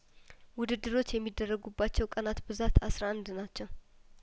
ውድድሮች የሚደረጉባቸው ቀናት ብዛት አስራ አንድ ናቸው